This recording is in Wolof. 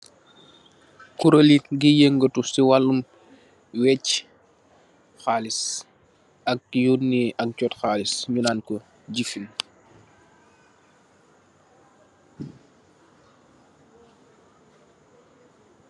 Kurel gui yangaru ci walli wecci xalis ak yonneh ak jut xalis J-fin.